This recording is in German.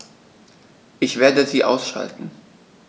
Ich werde sie ausschalten